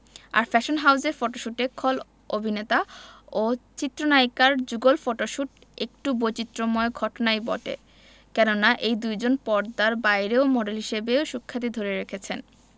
আর fashion হাউজের ফটোশুটে খল অভিনেতা ও চিত্রনায়িকার যুগল ফটোশুট একটু বৈচিত্রময় ঘটনাই বটে কেননা এই দুইজন পর্দার বাইরে মডেল হিসেবেও সুখ্যাতি ধরে রেখেছেন